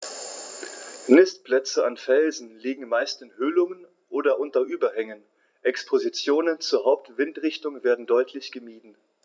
Nistplätze an Felsen liegen meist in Höhlungen oder unter Überhängen, Expositionen zur Hauptwindrichtung werden deutlich gemieden.